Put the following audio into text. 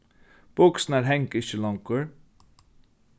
buksurnar hanga ikki longur